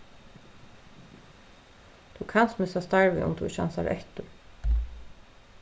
tú kanst missa starvið um tú ikki ansar eftir